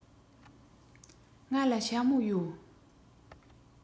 ང ལ ཞྭ མོ ཡོད